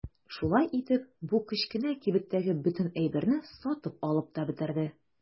Шулай итеп бу кечкенә кибеттәге бөтен әйберне сатып алып та бетерде.